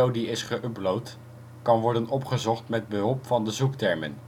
die is geüpload, kan worden opgezocht met behulp van de zoektermen